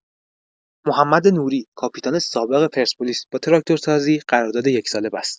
محمد نوری کاپیتان سابق پرسپولیس با تراکتورسازی قرارداد یک‌ساله بست.